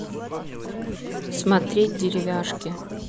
смотреть деревяшки